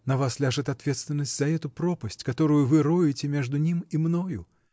На вас ляжет ответственность за эту пропасть, которую вы роете между ним и мною.